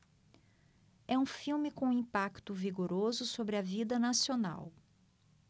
é um filme com um impacto vigoroso sobre a vida nacional